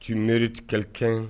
Simerikɛli kɛ